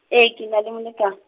e kena le moleka.